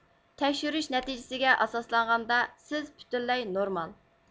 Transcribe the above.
تەكشۈرۈش نەتىجىسىگە ئاساسلانغاندا سىز پۈتۈنلەي نورمال